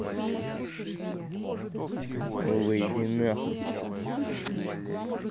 выйди на хуй